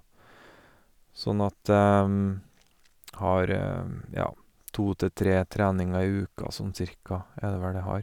Sånn at jeg har, ja, to til tre treninger i uka, sånn cirka, er det vel jeg har.